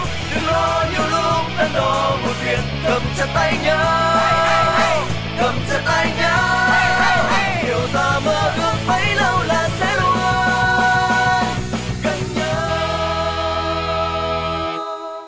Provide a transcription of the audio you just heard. đừng lo nhiều lúc đắn đo muộn phiền cầm chặt tay nhau cầm chặt tay nhau điều ta mơ ước bấy lâu là sẽ luôn gần nhau